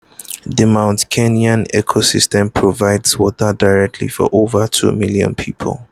The Mount Kenya ecosystem provides water directly for over two million people.